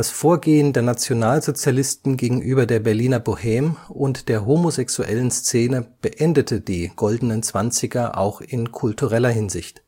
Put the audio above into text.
Vorgehen der Nationalsozialisten gegenüber der Berliner Bohème und der homosexuellen Szene beendete die „ Goldenen Zwanziger “auch in kultureller Hinsicht